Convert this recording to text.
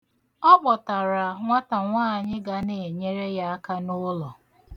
Ọ kpọtara nwatànwaanyị ga na-enyere ya aka n'ụlọ.